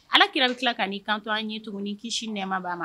Ala kira bɛ tila ka'i kanto an ɲɛ tuguni kisi nɛma banna ma